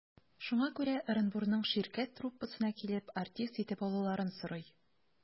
Шуңа күрә Ырынбурның «Ширкәт» труппасына килеп, артист итеп алуларын сорый.